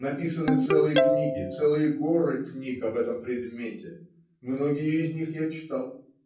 Написаны целые книги, целые горы книг об этом предмете; многие из них я читал.